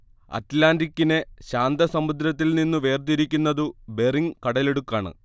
അറ്റ്ലാന്റിക്കിനെ ശാന്തസമുദ്രത്തിൽനിന്നു വേർതിരിക്കുന്നതു ബെറിങ് കടലിടുക്കാണ്